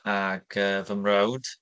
Ac, yy, fy mrawd.